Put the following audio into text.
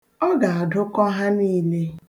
Ọ ga-adụkọ ha niile.